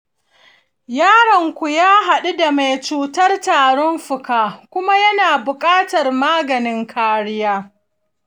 yaronku ya haɗu da mai cutar tarin fuka kuma yana buƙatar maganin kariya.